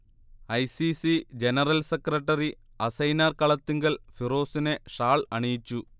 I. C. C general secretary Asainar Kalathingal ഫിറോസിനെ shawl അണിയിച്ചു